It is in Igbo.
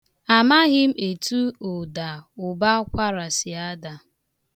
Amaghị etu ụda ụbọakwara si ada.